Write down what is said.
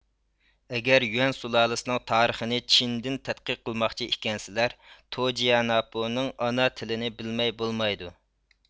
ئەگەر يۈەن سۇلالىسىنىڭ تارىخىنى چىندىن تەتقىق قىلماقچى ئىكەنسىلەر توجيەناپۇنىڭ ئانا تىلىنى بىلمەي بولمايدۇ